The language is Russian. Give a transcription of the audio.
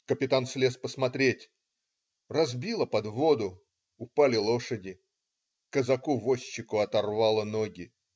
Капитан слез посмотреть: разбило подводу, упали лошади, казаку-возчику оторвало ноги.